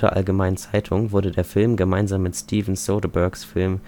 Allgemeinen wurde der Film, gemeinsam mit Steven Soderberghs Film